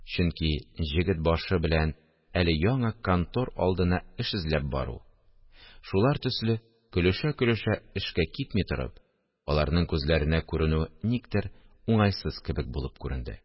Чөнки җегет башы белән әле яңа контор алдына эш эзләп бару, шулар төсле көлешә-көлешә эшкә китми торып, аларның күзләренә күренү никтер уңайсыз кебек булып күренде